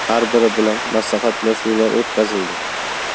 har biri bilan maslahatlashuvlar o'tkazildi